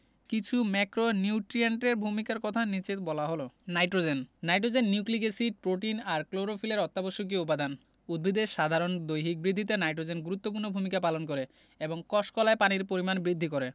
কিছু ম্যাক্রোনিউট্রিয়েন্টের ভূমিকার কথা নিচে বলা হল nitrogen nitrogen nucleic acid protein আর ক্লোরোফিলের অত্যাবশ্যকীয় উপাদান উদ্ভিদের সাধারণ দৈহিক বৃদ্ধিতে নাইটোজেন গুরুত্বপূর্ণ ভূমিকা পালন করে এবং কষ কলায় পানির পরিমাণ বিদ্ধি করে